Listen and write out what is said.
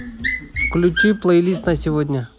включи плейлист на сегодня